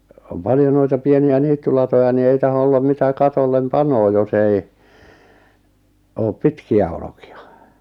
on paljon noita pieniä niittylatoja niin ei tahdo olla mitä katolle panee jos ei ole pitkiä olkia